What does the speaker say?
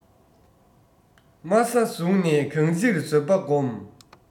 དམའ ས བཟུང ནས གང ཅིར བཟོད པ སྒོམ